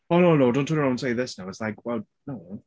"Oh no no, don't turn around and say this now" it's like "well no."